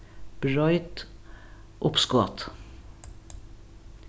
broyt uppskotið